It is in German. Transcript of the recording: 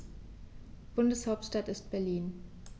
Bundeshauptstadt ist Berlin.